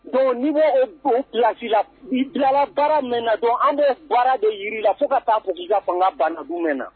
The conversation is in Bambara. Don n'i' osi la i bilala baara mɛn na dɔn an bɛ baara de jiri la fo ka taa k fanga ban mɛn na